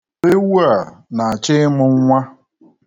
Ewu a na-achọ ịmụ nnwa.